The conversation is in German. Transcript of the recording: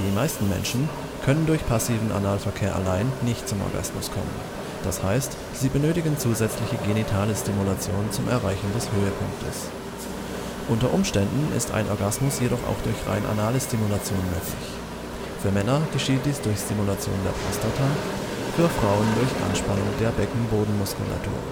meisten Menschen können durch passiven Analverkehr allein nicht zum Orgasmus kommen, das heißt, sie benötigen zusätzliche genitale Stimulation zum Erreichen des Höhepunktes. Unter Umständen ist ein Orgasmus jedoch auch durch rein anale Stimulation möglich: Für Männer geschieht dies durch Stimulation der Prostata, für Frauen durch Anspannung der Beckenbodenmuskulatur